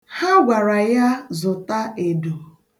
Ha gwara ya zụta edo.